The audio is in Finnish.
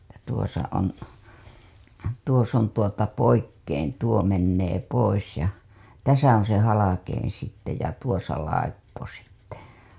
ja tuossa on tuossa on tuota poikkein tuo menee pois ja tässä ole se halkein sitten ja tuossa laippo sitten